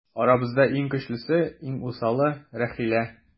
Арабызда иң көчлесе, иң усалы - Рәхилә.